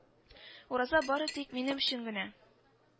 Ураза бары тик минем өчен генә